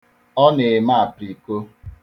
Ọ na-eme apiriko.